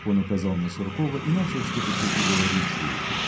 Он указал на Суркова и начал что-то тихо говорить ей.